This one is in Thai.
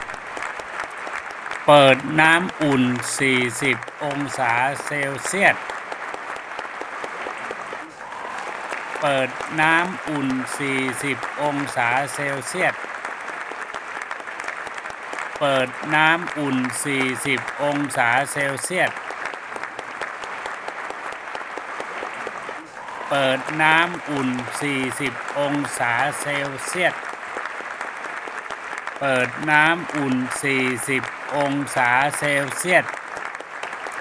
เปิดน้ำอุ่นสี่สิบองศาเซลเซียส